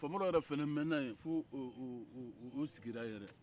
famɔrɔ yɛrɛ fana mɛnna yen fo o-o-o sigira yen yɛrɛ